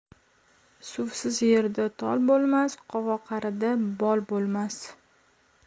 suvsiz yerda tol bo'lmas qovoqarida bol bo'lmas